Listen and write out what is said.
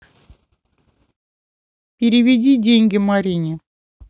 переведи деньги марине